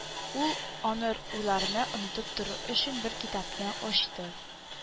Ул, аныр уйларны онытып торыр өчен, бер китапны ачты